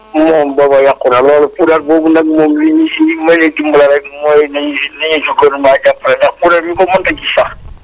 moom booba yàqu na loolu puudar boobu nag moom li ñu si mënee dimbali rek mooy nañu ci nañu ci gouverment jàppale ndax puudar bi dañ ko mënut a gis sax